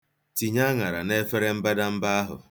Tinye aṅara n'efere mbadamba ahụ.